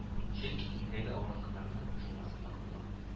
Чөнки илдәге авырлыкларны шуңа сылтап була